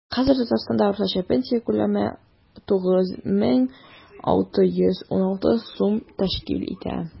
Хәзер Татарстанда уртача пенсия күләме 9616 сум тәшкил итә.